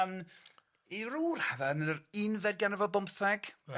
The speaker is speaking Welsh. i ryw radda' yn yr Unfed Ganrif ar Bymtheg.